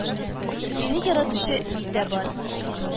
Сине яратучы мин дә бар